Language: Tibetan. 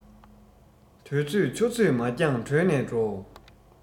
དུས ཚོད ཆུ ཚོད མ འགྱངས གྲོལ ནས འགྲོ